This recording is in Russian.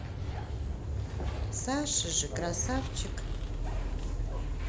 саша же красавчик